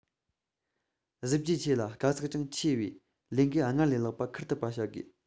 གཟི བརྗིད ཆེ ལ དཀའ ཚེགས ཀྱང ཆེ བའི ལས འགན སྔར ལས ལེགས པ འཁུར ཐུབ པར བྱ དགོས